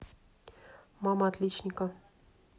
мама отличника